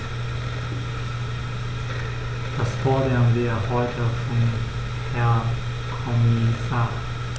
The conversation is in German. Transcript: Das fordern wir heute vom Herrn Kommissar.